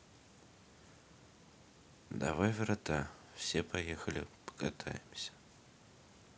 давай врата все поехали покатаемся